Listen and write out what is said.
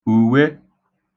ùwe